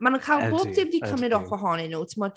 Maen nhw'n cael bob dim ‘di cymryd off ohonyn nhw, timod?